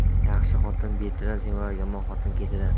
yaxshi xotin betidan semirar yomon xotin ketidan